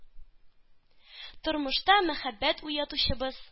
– тормышка мәхәббәт уятучыбыз,